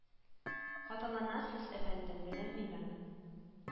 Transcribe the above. Хаталанасыз, әфәндем, беләм мин аны